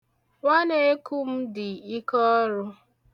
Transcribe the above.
Nwaneku m dị ike ọrụ.